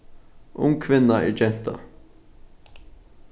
ung kvinna er genta